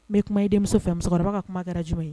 N be kuma i denmuso fɛ musɔkɔrɔba ka kuma kɛra jumɛn ye